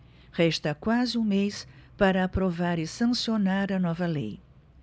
resta quase um mês para aprovar e sancionar a nova lei